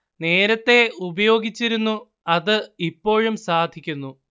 നേരത്തേ ഉപയോഗിച്ചിരുന്നു അത് ഇപ്പോഴും സാധിക്കുന്നു